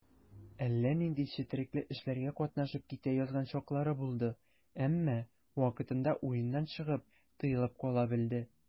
Әллә нинди четрекле эшләргә катнашып китә язган чаклары булды, әмма вакытында уеннан чыгып, тыелып кала белде.